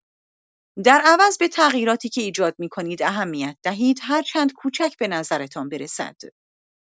در عوض به تغییراتی که ایجاد می‌کنید اهمیت دهید، هرچند کوچک به نظرتان برسد.